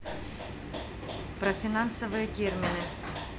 про финансовые термины